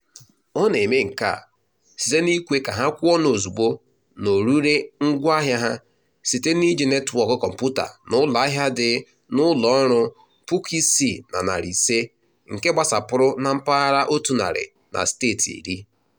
Ọ na-eme nke a site n'ikwe ka ha kwe ọnụ ozugbo n'orire ngwaahịa ha site n'iji netwọk kọmputa na ụlọahịa dị n'ụlọọrụ 6500 nke gbasapuru na mpaghara 100 na steeti 10.